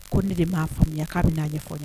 Ko ne de b'a faamuyamu k'a bɛ n'a ɲɛ ɲɛfɔ